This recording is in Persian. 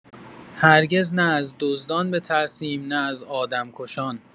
هرگز نه از دزدان بترسیم، نه از آدمکشان.